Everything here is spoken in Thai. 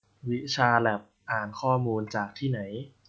วิชาแล็บอ่านข้อมูลจากที่ไหน